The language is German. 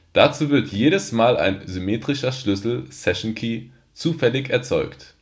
Dazu wird jedes Mal ein symmetrischer Schlüssel (session key) zufällig erzeugt